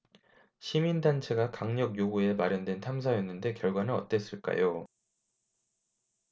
시민단체가 강력 요구해 마련된 탐사였는데 결과는 어땠을까요